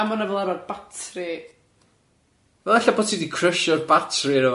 A ma' 'na fel arfar batri. Wel ella bot hi 'di cryshio'r batri yno fo.